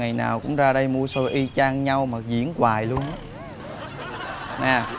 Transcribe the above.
ngày nào cũng ra đây mua sôi y chang nhau mà diễn quoài luôn á nè